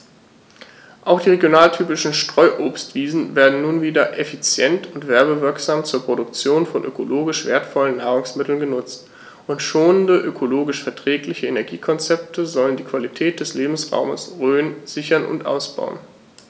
Auch die regionaltypischen Streuobstwiesen werden nun wieder effizient und werbewirksam zur Produktion von ökologisch wertvollen Nahrungsmitteln genutzt, und schonende, ökologisch verträgliche Energiekonzepte sollen die Qualität des Lebensraumes Rhön sichern und ausbauen.